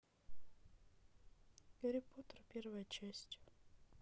гарри поттер первая часть